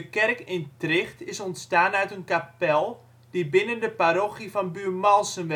kerk in Tricht is ontstaan uit een kapel, die binnen de parochie van Buurmalsen